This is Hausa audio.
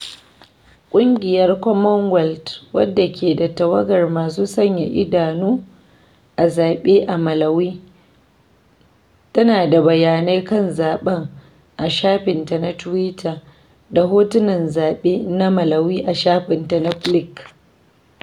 Ƙungiyar Commonwealth, wadda ke da tawagar masu sanya idanu na zaɓe a Malawi, tana da bayanai kan zaɓen a shafinta na twitter da hotunan zaɓe na Malawi a shafinta na Flickr.